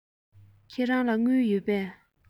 ཁྱེད རང ལ དངུལ ཡོད པས